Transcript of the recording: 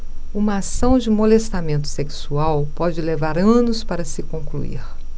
uma ação de molestamento sexual pode levar anos para se concluir